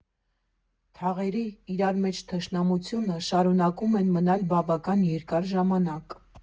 Թաղերի՝ իրար մեջ թշնամությունը շարունակում էր մնալ բավական երկար ժամանակ։